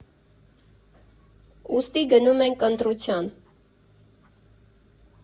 Ուստի գնում ենք ընտրության։